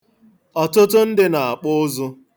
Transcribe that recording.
Ọtụtụ ndị na-akpụ ụzụ.